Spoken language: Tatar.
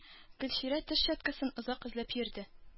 Гөлчирә теш щеткасын озак эзләп йөрде.